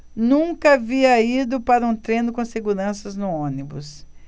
nunca havia ido para um treino com seguranças no ônibus